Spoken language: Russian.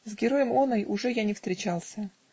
С героем оной уже я не встречался.